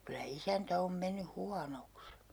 kyllä isäntä on mennyt huonoksi